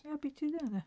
Ia biti 'di hynna de?